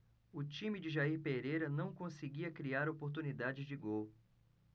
o time de jair pereira não conseguia criar oportunidades de gol